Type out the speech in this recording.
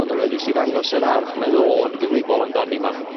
...yn awyddus i ddangos yr ardd mae o'n gyfrifol amdani 'ma.